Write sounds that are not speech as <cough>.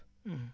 <hesitation> <hesitation>